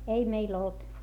ei meillä ollut